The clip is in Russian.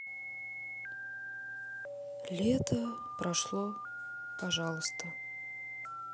лето прошло пожалуйста